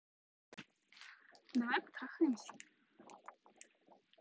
давай потрахаемся